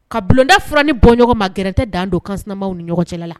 Ka bulonda furauran ni bɔɲɔgɔn ma gɛrɛ tɛ dan don kansma ni ɲɔgɔn cɛla la